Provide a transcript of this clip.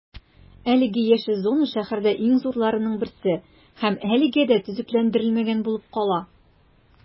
Әлеге яшел зона шәһәрдә иң зурларының берсе һәм әлегә дә төзекләндерелмәгән булып кала.